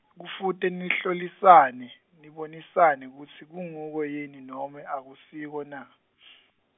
kufute nihlolisane, nibonisane kutsi kunguko yini nome akusiko na .